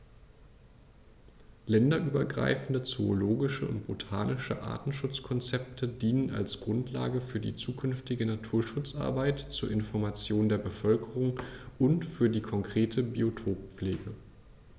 Länderübergreifende zoologische und botanische Artenschutzkonzepte dienen als Grundlage für die zukünftige Naturschutzarbeit, zur Information der Bevölkerung und für die konkrete Biotoppflege.